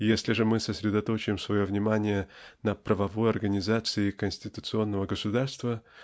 Если же мы сосредоточим свое внимание на правовой организации конституционного государства